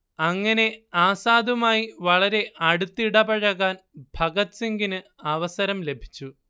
അങ്ങനെ ആസാദുമായി വളരെ അടുത്തിടപഴകാൻ ഭഗത് സിംഗിന് അവസരം ലഭിച്ചു